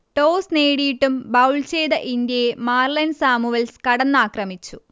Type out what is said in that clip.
toss നേടിയിട്ടും bowl ചെയ്ത ഇന്ത്യയെ മാർലൺ സാമുവൽസ് കടന്നാക്രമിച്ചു